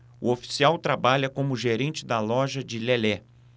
o oficial trabalha como gerente da loja de lelé